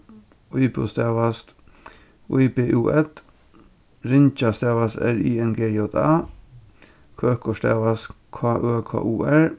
íbúð stavast í b ú ð ringja stavast r i n g j a køkur stavast k ø k u r